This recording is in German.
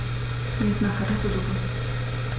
Mir ist nach Kartoffelsuppe.